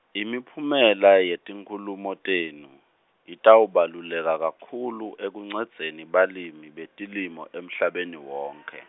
imiphumela yetinkhulumo tenu, itawubaluleka kakhulu ekuncendzeni balirni betilimo emhlabeni wonkhe.